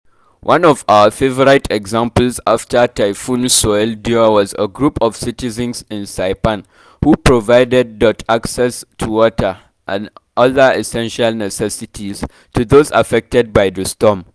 One of our favorite examples after Typhoon Soudelor was a group of citizens in Saipan who provided.access to water and other essential necessities to those affected by the storm.